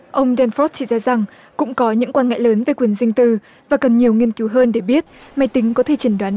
ông đen phóc chỉ ra rằng cũng có những quan ngại lớn về quyền riêng tư và cần nhiều nghiên cứu hơn để biết máy tính có thể chẩn đoán